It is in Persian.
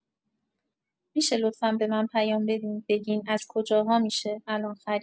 می‌شه لطفا به من پیام بدین بگین از کجاها می‌شه الان خرید؟